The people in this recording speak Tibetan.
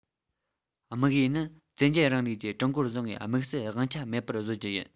དམིགས ཡུལ ནི བཙན རྒྱལ རིང ལུགས ཀྱིས ཀྲུང གོར བཟུང བའི དམིགས བསལ དབང ཆ མེད པར བཟོ རྒྱུ ཡིན